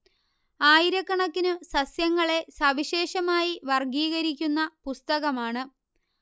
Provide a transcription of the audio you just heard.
ആയിരക്കണക്കിനു സസ്യങ്ങളെ സവിശേഷമായി വർഗ്ഗീകരിക്കുന്ന പുസ്തകമാണ്